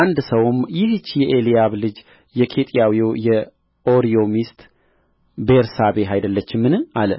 አንድ ሰውም ይህች የኤልያብ ልጅ የኬጢያዊው የኦርዮ ሚስት ቤርሳቤህ አይደለችምን አለ